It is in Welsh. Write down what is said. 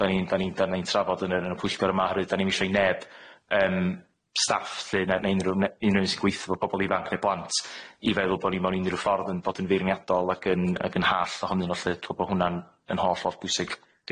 'Dan ni'n 'dan ni'n 'dan ni'n trafod yn yr yn y pwyllgor yma oherwydd 'dan ni'm isio i neb yym staff lly ne' ne' unryw ne- unryw un sy'n gweitho bo' bobol ifanc ne' blant i feddwl bo' ni mewn unryw ffordd yn bod yn feirniadol ag yn ag yn hallt ohonyn n'w lly dw' me'wl bo' hwnna'n yn holl, hollbwysig.